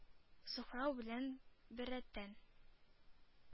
Сухрау белән беррәттән,